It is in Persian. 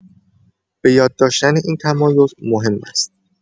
بۀاد داشتن این تمایز مهم است.